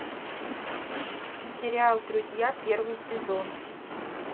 сериал друзья первый сезон